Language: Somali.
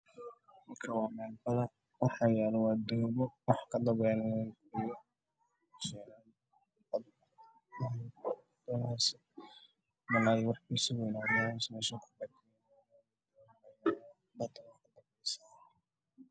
Waa xeeb bad ah waxaa yaalo doomooyin